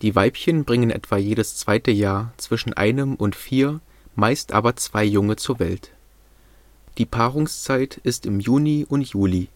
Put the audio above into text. Weibchen bringen etwa jedes zweite Jahr zwischen einem und vier, meist aber zwei Junge zur Welt. Die Paarungszeit ist im Juni und Juli